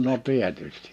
no tietysti